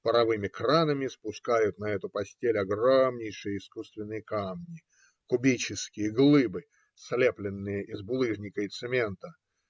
Паровыми кранами спускают на эту постель огромнейшие искусственные камни, кубические глыбы, слепленные из булыжника и цемента.